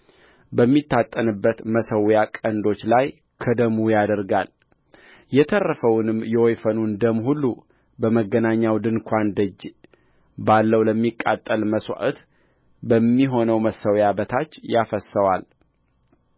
በሚታጠንበት መሠዊያ ቀንዶች ላይ ከደሙ ያደርጋል የተረፈውንም የወይፈኑን ደም ሁሉ በመገናኛው ድንኳን ደጅ ባለው ለሚቃጠል መሥዋዕት በሚሆነው መሠዊያ በታች ያፈስሰዋል